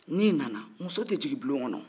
n'e nana muso tɛ jigin bulon kɔnɔ wo